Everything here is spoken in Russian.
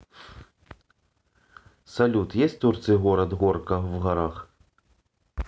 салют есть в турции город горка в горах